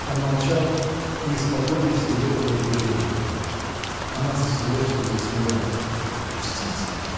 Он молчал и исподлобья стерег ее движения. Она с злостью засмеялась. — Пустите!